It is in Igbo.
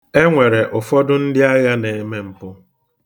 E nwere ụfọdụ ndị agha na-eme mpụ.